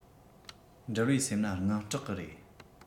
འགྲུལ པའི སེམས ནི དངངས སྐྲག གི རེད